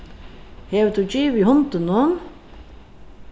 hevur tú givið hundinum